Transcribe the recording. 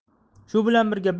shu bilan birga